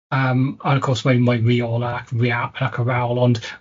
Yym ac o' course, wedyn mae'n rhiol ac rea- ac y rewl, ond